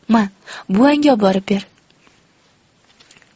ma buvangga oborib ber